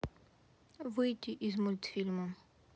выйти из мультфильма